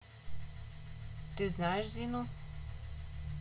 ты знаешь зину